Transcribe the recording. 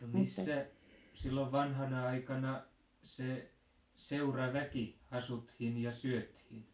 no missä silloin vanhana aikana se seuraväki asuttiin ja syötiin